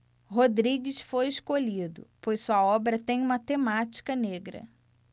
rodrigues foi escolhido pois sua obra tem uma temática negra